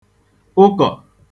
ụkọ̀